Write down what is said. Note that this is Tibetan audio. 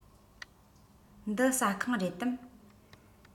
འདི ཟ ཁང རེད དམ